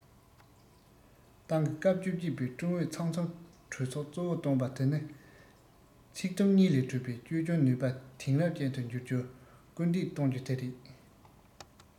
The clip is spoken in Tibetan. ཏང གི སྐབས བཅོ བརྒྱད པའི ཀྲུང ཨུ ཚང འཛོམས གྲོས ཚོགས གཙོ བོ བཏོན པ དེ ནི ཚིག དུམ གཉིས ལས གྲུབ པའི བཅོས སྐྱོང ནུས པ དེང རབས ཅན དུ འགྱུར རྒྱུར སྐུལ འདེད གཏོང རྒྱུ དེ རེད